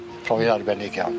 Profi arbennig iawn.